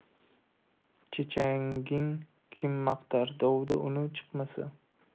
chechanhgin kim maqtar dovda uni chiqmasa